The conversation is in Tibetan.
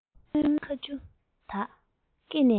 གཅུང མོའི ཁ ཆུ དག སྐེ ནས